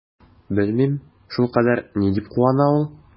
Белмим, шулкадәр ни дип куана ул?